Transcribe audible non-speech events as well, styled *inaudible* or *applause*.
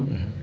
*hesitation* *hesitation*